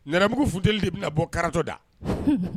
Nɛnɛmugu futeni de bɛna bɔ karatatɔ da